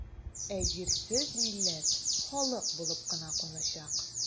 Ә җирсез милләт халык булып кына калачак.